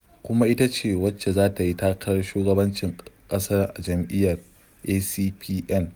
Kuma ita ce wadda za ta yi takarar shugabancin ƙasa a jam'iyyar ACPN